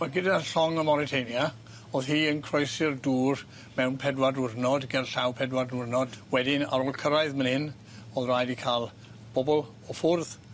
Wel gyda llong y Mauritania o'dd hi yn croesi'r dŵr mewn pedwar dwrnod gerllaw pedwar dwrnod wedyn ar ôl cyrraedd myn' 'yn o'dd raid ni ca'l bobol o fwrdd